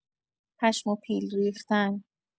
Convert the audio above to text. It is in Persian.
پشم و پیل ریختن